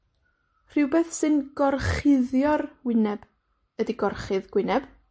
Rhwbeth sy'n gorchuddio'r wyneb ydi gorchudd gwyneb.